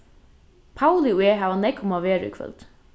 pauli og eg hava nógv um at vera í kvøld